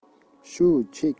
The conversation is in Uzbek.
shu chek bo'yicha